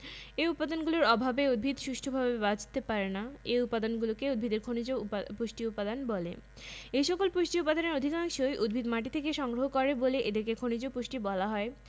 nitrate ion potassium ion ইত্যাদি উদ্ভিদের পুষ্টিতে বিভিন্ন খনিজ উপাদানের ভূমিকা উদ্ভিদের স্বাভাবিক বৃদ্ধির জন্য বিভিন্ন খনিজ পুষ্টি গুরুত্বপূর্ণ ভূমিকা পালন করে কিছু ম্যাক্রোনিউট্রিয়েন্টের ভূমিকার কথা নিচে বলা হল